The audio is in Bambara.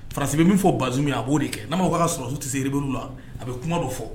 Farasibi min fɔ baz min a b' de kɛ n'maaw ka sɔrɔso tɛ serib la a bɛ kuma dɔ fɔ